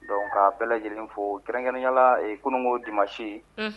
Donc ka bɛɛ lajɛlen fɔ kɛrɛn kɛrɛnya la kununko dimanche .